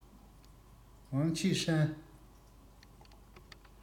ཝང ཆི ཧྲན